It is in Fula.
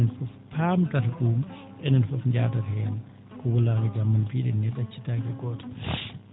ko enen fof paamdata ?uum enen fof njaadata heen ko wulaango jamma mbi?en ni ?accirtaake gooto